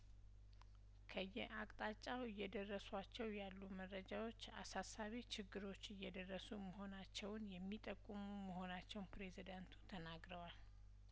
ከየአቅጣጫው እየደረሷቸው ያሉ መረጃዎች አሳሳቢ ችግሮች እየደረሱ መሆናቸውን የሚጠቁሙ መሆናቸውን ፕሬዝዳንቱ ተናግረዋል